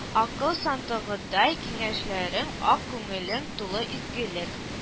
Акыл сандыгыдай киңәшләрең ак күңелең тулы изгелек